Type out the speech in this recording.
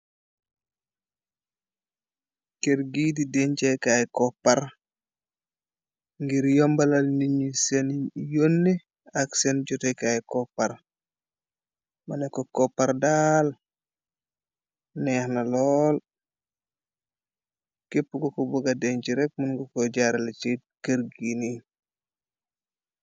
Kërr gii di denche kaay koppar ngir yombalal niñyi seeni yonneh ak seen jotekaay koppar muneh ko koppar daal neex na lowl képpu ku ko boga denche rekk mun nga koi jaare leh ci kërr gini.